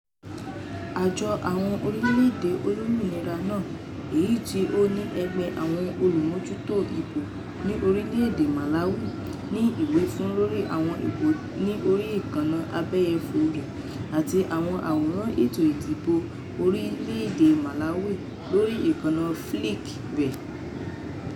Àjọ àwọn orílẹ̀ èdè olómìnira náà, èyí tí ó ní ẹgbẹ́ àwọn olùmójútó ìbò ní orílẹ̀ èdè Malawi, ní ìwífún lórí àwọn ìbò ní orí ìkànnì abẹ́yẹfò rẹ̀ àti àwọn àwòrán ètò ìdìbò orílẹ̀ èdè Malawi lórí ìkànnì Flickr rẹ̀.